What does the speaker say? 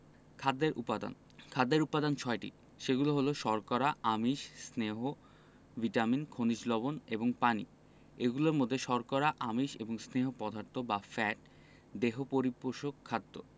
খাদ্যের উপাদান খাদ্যের উপাদান ছয়টি সেগুলো হলো শর্করা আমিষ স্নেহ ভিটামিন খনিজ লবন এবং পানি এগুলোর মধ্যে শর্করা আমিষ এবং স্নেহ পদার্থ বা ফ্যাট দেহ পরিপোষক খাদ্য